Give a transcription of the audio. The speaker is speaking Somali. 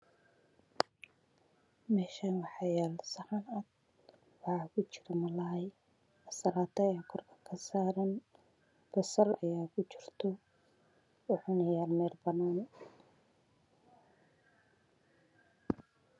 Meshan waxaa yalo saxan waxaa ku jiro malalaly ansalta ayaa korka ka saran basal ayaa ku jirto wuxuna yalaa mel banan